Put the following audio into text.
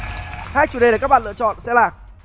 hai chủ đề để các bạn lựa chọn sẽ là